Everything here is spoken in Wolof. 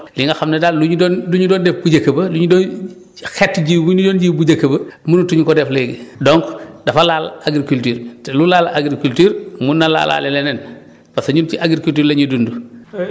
donc li nga xam ne daal lu ñu doon lu ñu doon def bu njëkk ba lu ñu doon xeetu jiw bi ñu doon jiw bu njëkk ba mënatuñ ko def léegi donc dafa laal agriculture te lu laal agriculture mun na laalaale leneen parce que ñun ci agriculture la ñuy dund